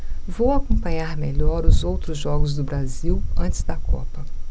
vou acompanhar melhor os outros jogos do brasil antes da copa